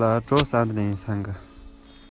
ཅིའི ཕྱིར དུང དཀར ཞེས བཏགས པ